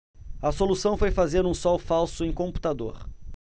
a solução foi fazer um sol falso em computador